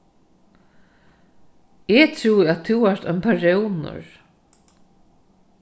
eg trúði at tú vart ein barónur